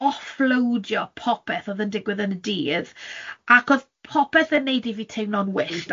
offloadio popeth oedd yn digwydd yn y dydd, ac oedd popeth yn 'neud i fi teimlo'n wyllt,